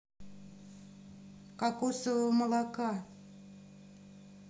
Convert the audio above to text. кокосового молока